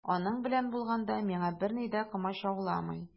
Аның белән булганда миңа берни дә комачауламый.